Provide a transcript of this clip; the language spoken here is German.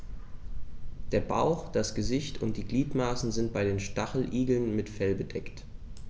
Der Bauch, das Gesicht und die Gliedmaßen sind bei den Stacheligeln mit Fell bedeckt.